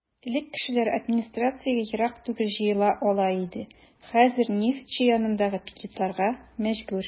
Элек кешеләр администрациягә ерак түгел җыела ала иде, хәзер "Нефтьче" янында пикетларга мәҗбүр.